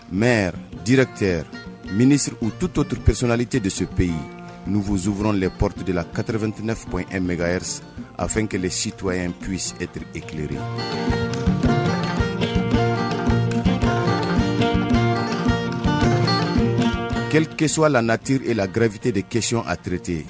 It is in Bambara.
Mɛ di cɛ minisiri u tutourpsononalite de sope yen n' fu zufur de pɔriorote de la katarp2tinɛbɛ m ri a fɛn kelen si tun ye p pesie kire ye ke keso la nattirie la gɛrɛfitie de kecyon a tirerteye